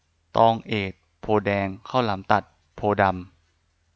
ตองเอดโพธิ์แดงข้าวหลามตัดโพธิ์ดำ